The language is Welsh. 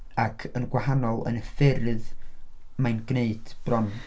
Ac yn gwahanol yn y ffyrdd mae hi'n gwneud bron...